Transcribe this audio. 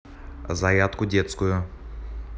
зарядку детскую